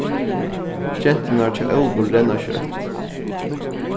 genturnar hjá óluvu renna skjótt